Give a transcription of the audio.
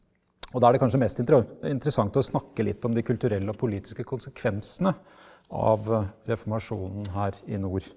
og da er det kanskje mest interessant å snakke litt om de kulturelle og politiske konsekvensene av reformasjonen her i nord.